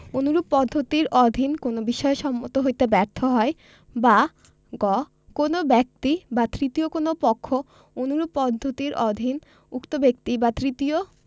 অনুরূপ পদ্ধতির অধীন কোন বিষয়ে সম্মত হইতে ব্যর্থ হয় বা গ কোন ব্যীক্ত বা তৃতীয় কোন পক্ষ অনুরূপ পদ্ধতির অধীন উক্ত ব্যক্তি বা তৃতীয়